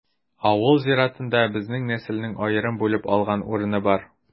Авыл зиратында безнең нәселнең аерым бүлеп алган урыны бар.